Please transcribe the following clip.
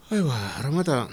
Ayiwa arata